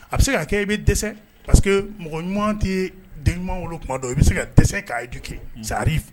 A bɛ se k ka kɛ i bɛ dɛsɛ parce que mɔgɔ ɲuman tɛ ye den ɲuman wolo tuma don i bɛ se ka dɛsɛ k'a ye ju kɛ sari